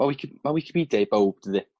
ma wici- ma' Wicipidia i bowb dydi?